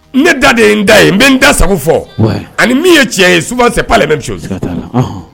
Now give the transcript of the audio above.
N da de ye n da ye n bɛ n da sagogo fɔ ani min ye tiɲɛ ye su'ale bɛ